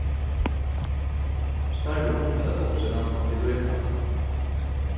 starvið umfatar uppsetan og viðlíkahald